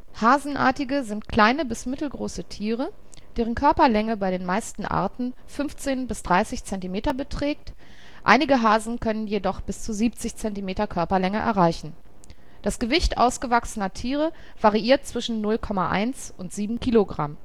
Hasenartige sind kleine bis mittelgroße Tiere, deren Körperlänge bei den meisten Arten 15 bis 30 Zentimeter beträgt, einige Hasen können jedoch bis zu 70 Zentimeter Körperlänge erreichen. Das Gewicht ausgewachsener Tiere variiert zwischen 0,1 und 7 Kilogramm